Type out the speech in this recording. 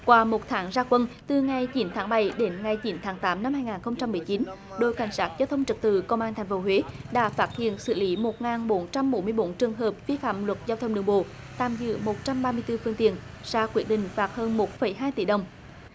qua một tháng ra quân từ ngày chín tháng bảy đến ngày chín tháng tám năm hai ngàn không trăm mười chín đội cảnh sát giao thông trật tự công an thành phố huế đã phát hiện xử lý một ngàn bốn trăm bốn mươi bốn trường hợp vi phạm luật giao thông đường bộ tạm giữ một trăm ba tư phương tiện ra quyết định phạt hơn một phẩy hai tỷ đồng